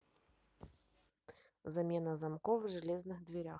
замена замков в железных дверях